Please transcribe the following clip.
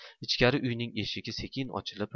ichkari uyning eshigi sekin ochilib